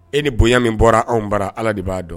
E ni bonya min bɔra anw baara ala de b'a dɔn